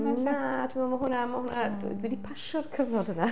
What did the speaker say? Na, dwi'n meddwl ma' hwnna ma' hwnna... dwi 'di pasio'r cyfnod yna.